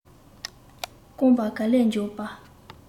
རྐང པ ག ལེར འཇོག པ